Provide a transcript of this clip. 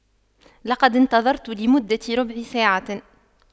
لقد انتظرت لمدة ربع ساعة